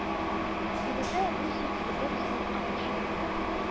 Илеза Русия территориясеннән агучы елга